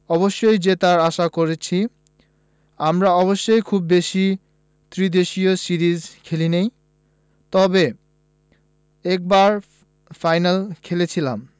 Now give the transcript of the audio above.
অবশ্যই জেতার আশা করছি আমরা অবশ্য খুব বেশি ত্রিদেশীয় সিরিজ খেলেনি তবে একবার ফাইনাল খেলেছিলাম